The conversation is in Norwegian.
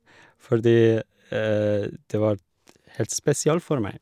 Fordi det vart helt spesiell for meg.